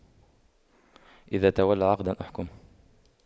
إذا تولى عقداً أحكمه